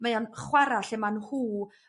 Mae o'n chwara' lle ma' nhw